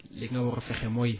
li nga war a fexe mooy